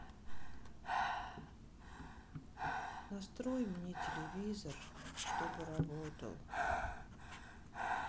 настрой мне телевизор чтобы работал